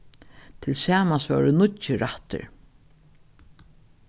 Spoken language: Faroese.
tilsamans vóru níggju rættir